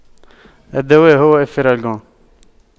الدواء هو افيرالكون